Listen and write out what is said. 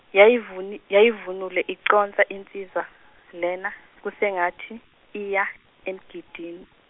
yayivunil- yayivunule iconsa insizwa, lena, kusengathi, iya, emgidini.